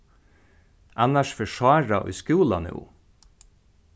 annars fer sára í skúla nú